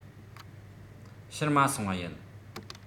ཕྱིར མ སོང བ ཡིན